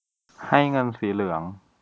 ให้เงินสีเหลือง